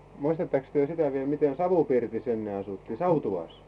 muistattekos te sitä vielä miten savupirtissä ennen asuttiin savutuvassa